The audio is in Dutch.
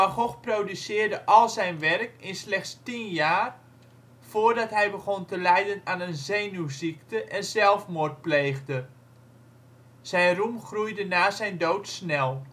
Gogh produceerde al zijn werk in slechts tien jaar, voordat hij begon te lijden aan een zenuwziekte en zelfmoord pleegde. Zijn roem groeide na zijn dood snel